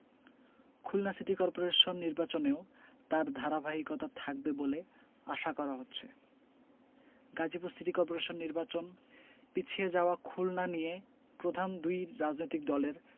Khulna city corporation নির্বাচনেও তার ধারাবাহিকতা থাকবে বলে আশা করা হচ্ছে গাজীপুর সিটি করপোরেশন নির্বাচন পিছিয়ে যাওয়া খুলনা নিয়ে প্রধান দুই রাজনৈতিক দলের